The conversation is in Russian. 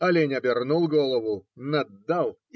олень обернул голову, наддал